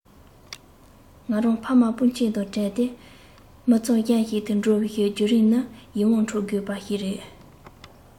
ང རང ཕ མ སྤུན ཆེད དང བྲལ ཏེ མི ཚང གཞན ཞིག ཏུ འགྲོ བའི བརྒྱུད རིམ ནི ཡིད དབང འཕྲོག དགོས པ ཞིག རེད